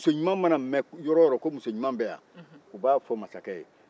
musoɲuman mana mɛn yɔrɔ o yɔrɔ ko musoɲuman bɛ yan o b'a fɔ masakɛ ye